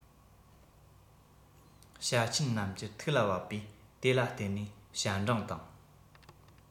བྱ ཆེན རྣམས ཀྱི ཐུགས ལ བབས པས དེ ལ བརྟེན ནས བྱ འབྲིང དང